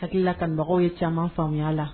Hakilila ka dugaw ye caman faamuya la